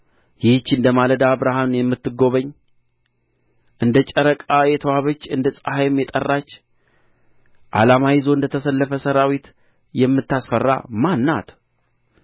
ይህች እንደ ማለዳ ብርሃን የምትጐበኝ እንደ ጨረቃ የተዋበች እንደ ፀሐይም የጠራች ዓላማ ይዞ እንደ ተሰለፈ ሠራዊት የምታስፈራ ማን ናት